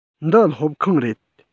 འདི སློབ ཁང རེད